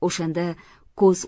o'shanda ko'z